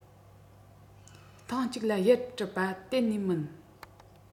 ཐེངས གཅིག ལ དབྱིབས གྲུབ པ གཏན ནས མིན